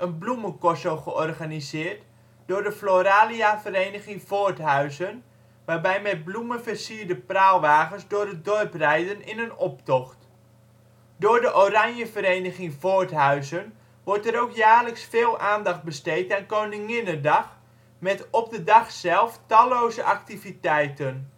bloemencorso georganiseerd door de Floraliavereniging Voorthuizen waarbij met bloemen versierde praalwagens door het dorp rijden in een optocht. Door de Oranjevereniging Voorthuizen wordt er ook jaarlijks veel aandacht besteed aan Koninginnedag, met op de dag zelf talloze activiteiten